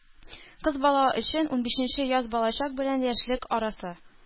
Кыз бала өчен унбишенче яз балачак белән яшьлек арасы.